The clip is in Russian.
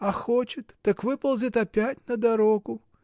А хочет, так выползет опять на дорогу.